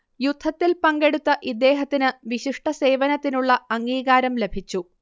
യുദ്ധത്തിൽ പങ്കെടുത്ത ഇദ്ദേഹത്തിന് വിശിഷ്ട സേവനത്തിനുള്ള അംഗീകാരം ലഭിച്ചു